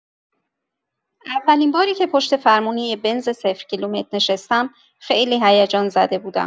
اولین باری که پشت فرمون یه بنز صفرکیلومتر نشستم، خیلی هیجان‌زده بودم.